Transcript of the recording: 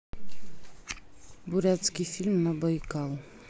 бурятский фильм на байкал